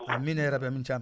amiin